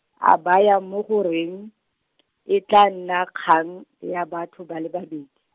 a baya mo go reng , e tla nna kgang, ya batho ba le babedi.